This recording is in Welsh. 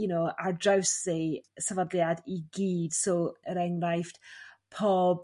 you know ar draws eu sefydliad i gyd so er enghraifft pob